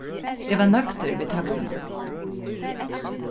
eg var nøgdur við tøgnina